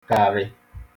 -karị̄